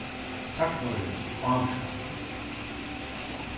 sagnorðið er ávirkandi